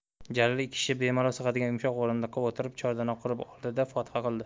jalil ikki kishi bemalol sig'adigan yumshoq o'rindiqqa o'tirib chordana qurib oldi da fotiha qildi